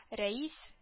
Рәис